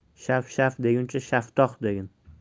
shap shap deguncha shaftoh degin